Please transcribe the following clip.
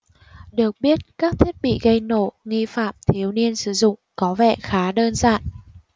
được biết các thiết bị gây nổ nghi phạm thiếu niên sử dụng có vẻ khá đơn giản